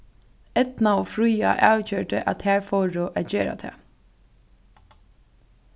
eydna og fríða avgjørdu at tær fóru at gera tað